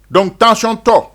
Donc tention tɔ